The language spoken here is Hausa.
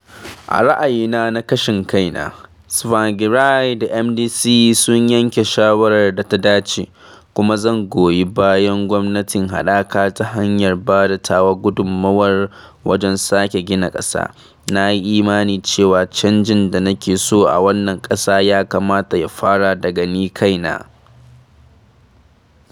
A ra’ayina na ƙashin kaina, Tsvangirai da MDC sun yanke shawarar da ta dace, kuma zan goyi bayan gwamnatin haɗaka ta hanyar bada tawa gudunmawar wajen sake gina ƙasa, nayi imani cewa canjin da nake so a wannan ƙasa ya kamata ya fara daga ni kaina.